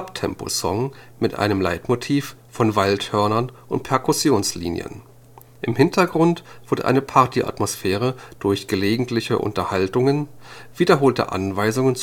Up-tempo-Song mit einem Leitmotiv von Waldhörnern und Perkussion-Linien. Im Hintergrund wird eine Party-Atmosphäre durch gelegentliche Unterhaltungen, wiederholte Anweisungen